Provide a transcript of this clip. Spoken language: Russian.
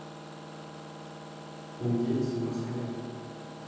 индейцы в москве